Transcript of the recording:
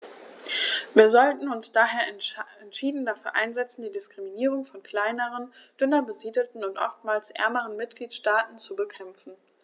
Wir sollten uns daher entschieden dafür einsetzen, die Diskriminierung von kleineren, dünner besiedelten und oftmals ärmeren Mitgliedstaaten zu bekämpfen.